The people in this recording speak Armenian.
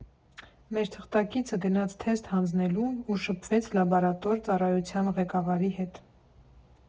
Մեր թղթակիցը գնաց թեստ հանձնելու ու շփվեց լաբորատոր ծառայության ղեկավարի հետ։